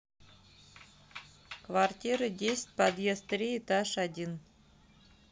квартира десять подъезд три этаж один